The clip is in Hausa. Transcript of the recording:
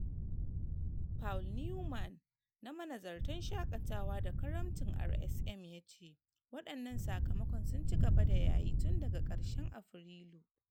Paul Newman, na manazartan shakatawa da karamcin RSM ya ce: "Wadannan sakamakon sun ci gaba da yayi tun daga karshen Afrilu.